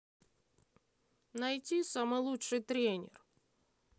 найди фильм самый лучший тренер